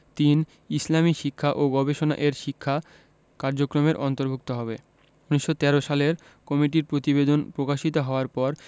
৩. ইসলামী শিক্ষা ও গবেষণা এর শিক্ষা কার্যক্রমের অন্তর্ভুক্ত হবে ১৯১৩ সালে কমিটির প্রতিবেদন প্রকাশিত হওয়ার পর